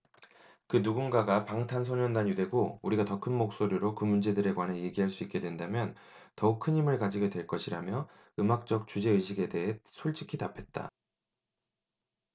그 누군가가 방탄소년단이 되고 우리가 더 큰 목소리로 그 문제들에 관해 얘기할 수 있게 된다면 더욱 큰 힘을 가지게 될 것이라며 음악적 주제의식에 대해 솔직히 답했다